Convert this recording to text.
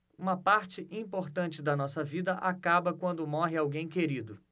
uma parte importante da nossa vida acaba quando morre alguém querido